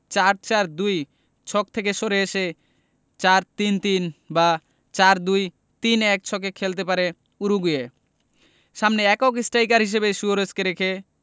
৪ ৪ ২ ছক থেকে সরে এসে ৪ ৩ ৩ বা ৪ ২ ৩ ১ ছকে খেলতে পারে উরুগুয়ে সামনে একক স্ট্রাইকার হিসেবে সুয়ারেজকে রেখে